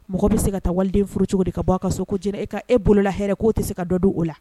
Mɔgɔ bɛ se ka taa waliden furu cogo de ka bɔ a ka so kocɲɛna e ka e bolola hɛrɛ k'o tɛ se ka dɔ don o la